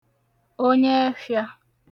onyeẹfhịā